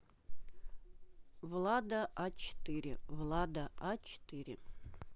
влада а четыре влада а четыре